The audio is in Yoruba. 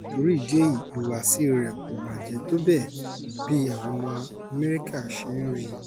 Torí ìdí èyí, ìhùwàsíi rẹ̀ kò bàjẹ́ tó bẹ́ẹ̀ bí àwọn ọmọ Amẹ́ríkà ṣe ń rí i.